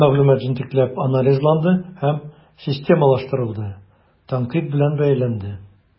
Бөтен мәгълүмат җентекләп анализланды һәм системалаштырылды, тәнкыйть белән бәяләнде.